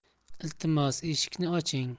iltimos eshikni oching